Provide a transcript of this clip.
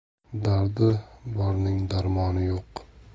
dardi borning darmoni yo'q